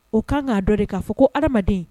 O kan k'a dɔ de k'a fɔ ko adamadamaden